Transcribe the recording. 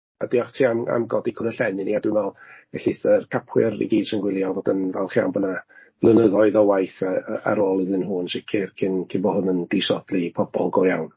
A diolch ti am am godi cwd a llen i ni, a dwi'n meddwl ellith yr capwyr i gyd sy'n gwylio fod yn falch iawn bod 'na flynyddoedd o waith a- ar ôl iddyn hwn yn sicr cyn cyn bod hwn yn disodli pobl go iawn.